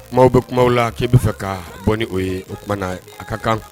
Kuma bɛ kuma la k'i bɛ fɛ ka bɔ ni o ye o tumaumana na a ka kan